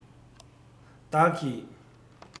བདག གིས